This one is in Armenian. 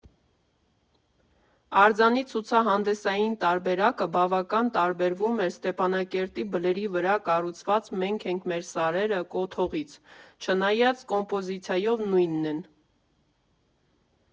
Արձանի ցուցահանդեսային տարբերակը բավական տարբերվում էր Ստեփանակերտի բլրի վրա կառուցված «Մենք ենք, մեր սարերը» կոթողից, չնայած կոմպոզիցիայով նույնն են.